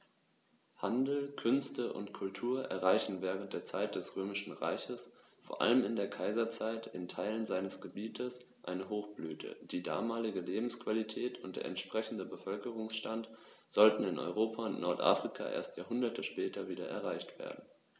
Handel, Künste und Kultur erreichten während der Zeit des Römischen Reiches, vor allem in der Kaiserzeit, in Teilen seines Gebietes eine Hochblüte, die damalige Lebensqualität und der entsprechende Bevölkerungsstand sollten in Europa und Nordafrika erst Jahrhunderte später wieder erreicht werden.